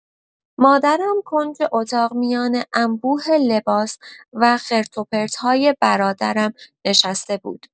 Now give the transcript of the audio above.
مادرم کنج اتاق میان انبوه لباس و خرت و پرت‌های برادرم نشسته بود.